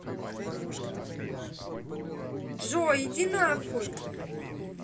джой иди на хуй